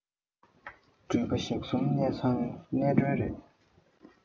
འགྲུལ པ ཞག གསུམ གནས ཚང གནས མགྲོན རེད